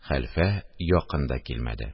Хәлфә якын да килмәде: